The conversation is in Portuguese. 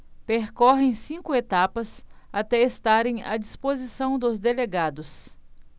percorrem cinco etapas até estarem à disposição dos delegados